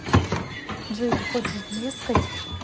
джой ты хочешь дескать